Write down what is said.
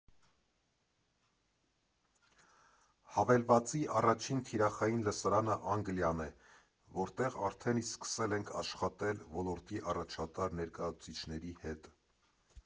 Հավելվածի առաջնային թիրախային լսարանը Անգլիան է, որտեղ արդեն իսկ սկսել ենք աշխատել ոլորտի առաջատար ներկայացուցիչների հետ։